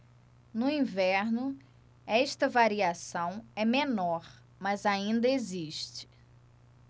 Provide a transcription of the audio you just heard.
no inverno esta variação é menor mas ainda existe